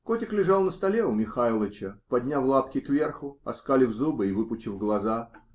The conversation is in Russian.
Котик лежал на столе у "Михайлыча", подняв лапки кверху, оскалив зубы и выпучив глаза.